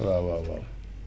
waaw waaw waaw